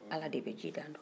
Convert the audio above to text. ala de bɛ ji dan dɔn